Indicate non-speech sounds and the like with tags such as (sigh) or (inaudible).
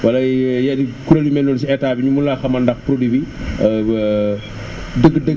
wala (hesitation) yéen kuréel yu mel noonu si état bi ñu mën laa xamal ndax produit bi (hesitation) dëgg-dëgg